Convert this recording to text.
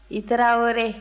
i tarawele